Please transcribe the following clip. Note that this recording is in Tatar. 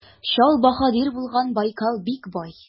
Чал баһадир булган Байкал бик бай.